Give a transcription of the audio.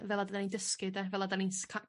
fela 'dyn ni'n dysgu 'de fela 'dan ni'n s- ca-...